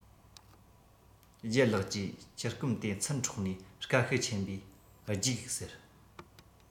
ལྗད ལགས ཀྱིས ཕྱུར སྐོམ དེ ཚུར འཕྲོག ནས སྐད ཤུགས ཆེན པོས རྒྱུགས ཟེར